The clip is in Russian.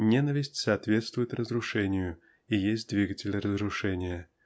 ненависть соответствует разрушению и есть двигатель разрушения